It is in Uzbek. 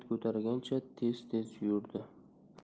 ko'targancha tez tez yurdi